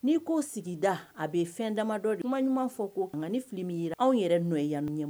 N'i ko sigida a bɛ fɛn dama dɔ di ma ɲuman fɔ ko nka ni fili min ye anw yɛrɛ n'o yemi ma